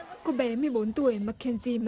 cô bé mười bốn tuổi mác kin phin